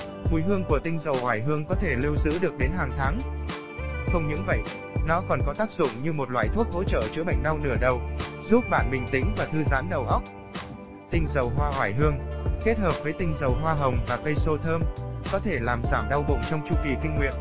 mùi hương của tinh dầu oải hương có thể lưu giữ được đến hàng tháng không những vậy nó còn có tác dụng như một loại thuốc hỗ trợ chữa bệnh đau nửa đầu giúp bạn bình tĩnh và thư giãn đầu óc tinh dầu hoa oải hương kết hợp với tinh dầu hoa hồng và cây xô thơm có thể làm giảm đau bụng trong chu kỳ kinh nguyệt